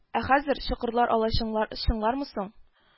Ә хәзер чокырлар алай чы чыңлармы соң